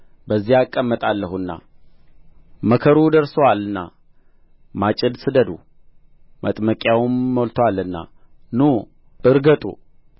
በዙሪያ ባሉ አሕዛብ ሁሉ ላይ እፈርድ ዘንድ በዚያ እቀመጣለሁና መከሩ ደርሶአልና ማጭድ ስደዱ መጥመቂያውም ሞልቶአልና ኑ እርገጡ